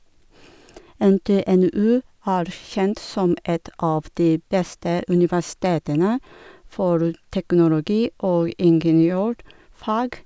NTNU er kjent som et av de beste universitetene for teknologi- og ingeniørfag.